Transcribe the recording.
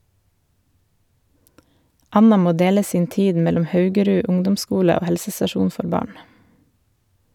Anna må dele sin tid mellom Haugerud ungdomsskole og helsestasjonen for barn.